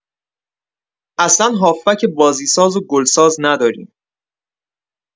اصلا هافبک بازی‌ساز و گل ساز نداریم.